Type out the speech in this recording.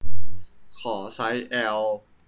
ขอไซส์แอล